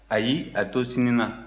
ayi a to sini na